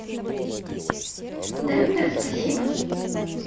да да да спасибо